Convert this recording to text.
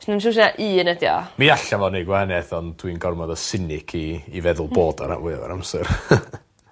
swn i'n siŵr sha un ydi o. Mi alla fo neud gwahaniaeth ond dwi'n gormod o cynic i i feddwl bod 'a ran fwyaf o'r amser.